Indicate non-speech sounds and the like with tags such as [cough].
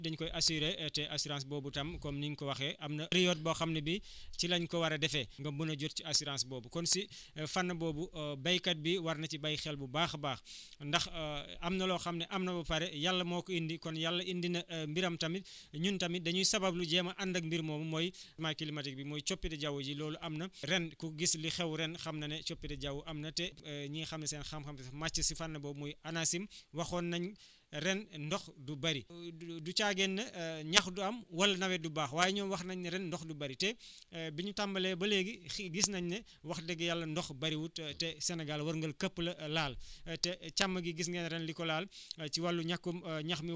dañu koy assurer te assurance boobu tam comme ni nga ko waxee am na période boo xam ne ni ci lañ ko war a defee nga mën a jot ci assurance boobu kon si fànn boobu [hesitation] béykat bi war na ci bàyyi xel bu baax a baax ndax [hesitation] am na loo xam ne am na ba pare yàlla moo ko indi kon yàlla indi na mbiram tamit ñun tamit dañuy sabablu jéem a ànd ak mbir moomu mooy [breath] ment climatique bi mooy coppite jaww ji loolu am na ren ku gis li xew ren xam na ne coppite jaww am na te [hesitation] ñi nga xam ne seen xam-xam dafa màcc si fànn boobu mooy ANACIM waxoon nañ [breath] ren ndox du bëri [hesitation] du caagéen ne [hesitation] ñax du am wala nawet du baax waaye ñoom wax nañ ne ren ndox du bëri te [breath] [hesitation] bi ñu tàmbalee ba léegi si gis nañ ne wax dëgg yàlla ndox bëriwut te Sénégal wërngël këpp la laal te càmm ji gis ngeen ren li ko laal [breath] ci wàllu ñàkkum [hesitation] ñax mi